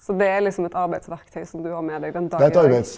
så det er liksom eit arbeidsverktøy som du har med deg den dag i dag?